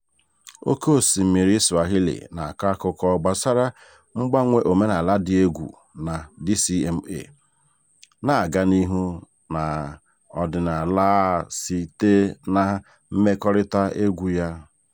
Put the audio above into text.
Oke osimmiri Swahili na-akọ akụkọ gbasara mgbanwe omenaala dị egwu na DCMA na-aga n'ihu na ọdịnaala a site na mmekorita egwu ya.